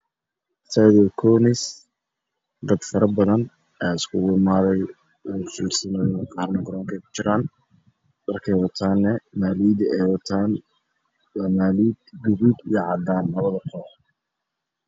Stadium koonis dadka fara badan ayaa isku imaaday qaarna garoon ku jiraan maaaliyada ay wadtaane waa gaduud iyo cadaan labadba